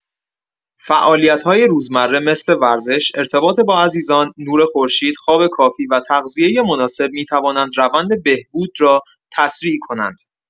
فعالیت‌های روزمره مثل ورزش، ارتباط با عزیزان، نور خورشید، خواب کافی و تغذیه مناسب می‌توانند روند بهبود را تسریع کنند.